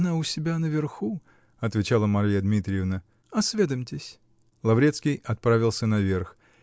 Она у себя, наверху, -- отвечала Марья Дмитриевна, -- осведомьтесь. Лаврецкий отправился наверх.